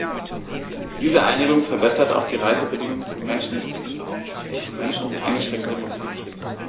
Diese Einigung verbessert auch die Reisebedingungen für Menschen mit Behinderung und Menschen mit eingeschränkter Mobilität.